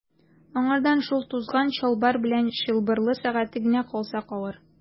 Аңардан шул тузган чалбар белән чылбырлы сәгате генә калса калыр.